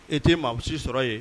E tɛ maa si sɔrɔ ye